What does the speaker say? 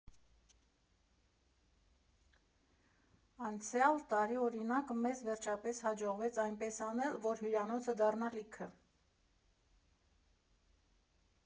Անցյալ տարի, օրինակ, մեզ վերջապես հաջողվեց այնպես անել, որ հյուրանոցը դառնա լիքը։